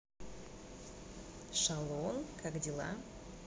шалун как дела